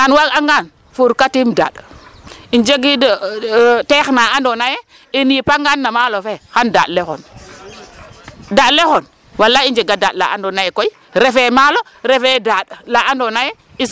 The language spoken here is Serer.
Ndas waag'angan fuurkatiim daaƭ im jegid teex na andoona yee in yipangaan no maalo fe xan daaƭ le xon, daaƭ le xon walay i njega daaƭ la andoona yee koy refee maalo refee daaƭ la andoona yee i soxla'an no peel ke .